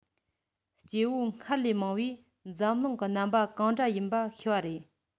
སྐྱེ བོ སྔར ལས མང བས འཛམ གླིང གི རྣམ པ གང འདྲ ཡིན པ ཤེས པ རེད